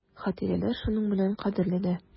Хатирәләр шуның белән кадерле дә.